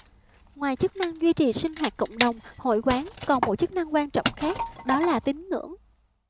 ngoài chức năng duy trì sinh hoạt cộng đồng hội quán còn một chức năng quan trọng khác đó là tín ngưỡng